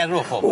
Cerwch o 'ma!